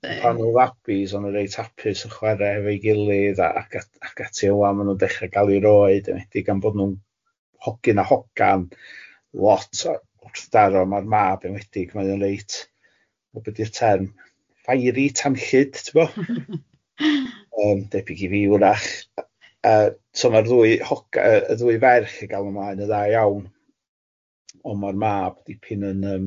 Pan o nhw'n fabis o'n nhw reit hapus yn chwara efo'i gilydd ac ac ac ati o wan maen nhw'n dechrau gal i'r oed, enwedig gan bod nhw'n hogyn a hogan lot, wrth daro ma'r mab enwedig mae o'n reit, be di'r term, fiery tanllyd tibod yym debyg i fi w'rach, yy so ma'r ddwy hog- yy y ddwy ferch yn galw mlaen yn dda iawn, ond ma'r mab dipyn yn yym